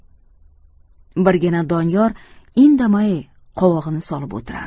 birgina doniyor indamay qovog'ini solib o'tirardi